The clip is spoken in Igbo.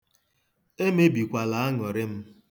Emebikwala anụrị m.